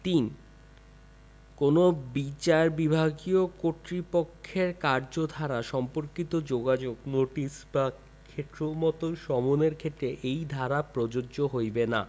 ৩ কোন বিচার বিভাগীয় কর্তৃপক্ষের কার্যধারা সম্পর্কিত যোগাযোগ নোটিশ বা ক্ষেত্রমত সমনের ক্ষেত্রে এই ধারা প্রযোজ্য হইবে না